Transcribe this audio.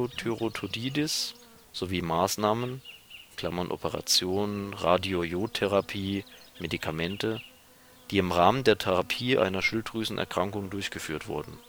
Hashimoto-Thyreoiditis sowie Maßnahmen (Operation, Radiojodtherapie, Medikamente), die im Rahmen der Therapie einer Schilddrüsenerkrankung durchgeführt wurden